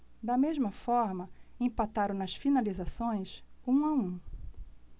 da mesma forma empataram nas finalizações um a um